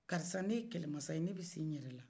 karisa ne ye kɛlɛmansa ye ne bɛ senyɛrɛla